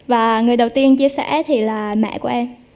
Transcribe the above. và người đầu tiên chia sẻ thì là mẹ của em